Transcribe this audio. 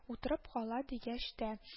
Утырып кала дигәч тә